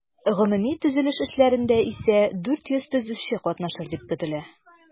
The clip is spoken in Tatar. Гомуми төзелеш эшләрендә исә 400 төзүче катнашыр дип көтелә.